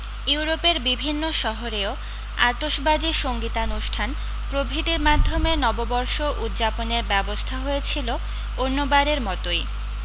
ইউরোপের বিভিন্ন শহরেও আতসবাজী সঙ্গীতানুষ্ঠান প্রভৃতীর মাধ্যমে নববর্ষ উদ্যাপনের ব্যবস্থা হয়েছিলো অন্যবারের মতোই